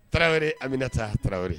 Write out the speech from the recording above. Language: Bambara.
Tarawelere a bɛna na taa tarawelere